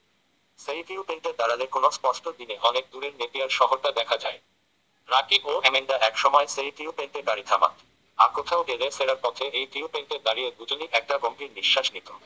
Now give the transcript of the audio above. সেই ভিউ পয়েন্টে দাঁড়ালে কোনো স্পষ্ট দিনে অনেক দূরের নেপিয়ার শহরটা দেখা যায় রাকিব ও এমেন্ডা একসময় সেই ভিউ পয়েন্টে গাড়ি থামাত আর কোথাও গেলে ফেরার পথে এই ভিউ পয়েন্টে দাঁড়িয়ে দুজনই একটা গম্ভীর নিশ্বাস নিত